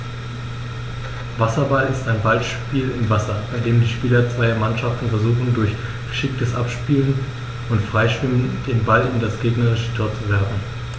Wasserball ist ein Ballspiel im Wasser, bei dem die Spieler zweier Mannschaften versuchen, durch geschicktes Abspielen und Freischwimmen den Ball in das gegnerische Tor zu werfen.